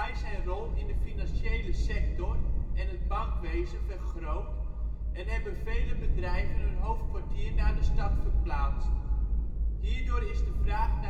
zijn rol in de financiële sector en het bankwezen vergroot en hebben vele bedrijven hun hoofdkwartier naar de stad verplaatst. Hierdoor is de vraag